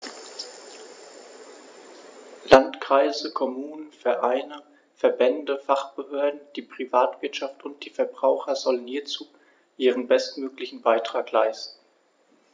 Landkreise, Kommunen, Vereine, Verbände, Fachbehörden, die Privatwirtschaft und die Verbraucher sollen hierzu ihren bestmöglichen Beitrag leisten.